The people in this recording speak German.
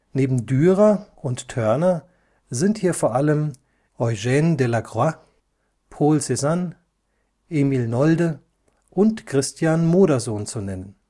Neben Dürer und Turner sind hier vor allem Eugène Delacroix, Paul Cézanne, Emil Nolde und Christian Modersohn zu nennen